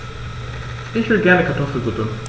Ich will gerne Kartoffelsuppe.